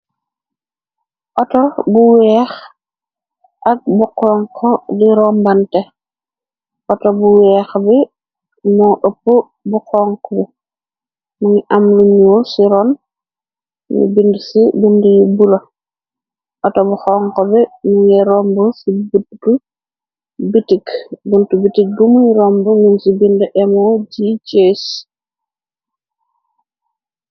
Autor bu weex ak bu konko gi rombante autor bu weex bi moo ëpp bu xonku bu mu ngi amlu ñuul ci ron ni bind ci bund yi bula outo bu xonko bi mu ngi romb ci butu bitik buntu bitik bimuy romb mun ci bind emo ji cees.